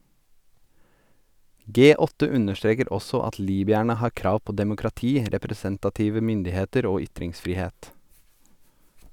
G8 understreker også at libyerne har krav på demokrati, representative myndigheter og ytringsfrihet.